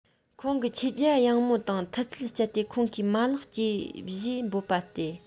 ཁོང གི མཁྱེན རྒྱ ཡངས མོ དང མཐུ རྩལ སྤྱད དེ ཁོང གིས མ ལག སྐྱེ བཞེས འབོད པ སྟེ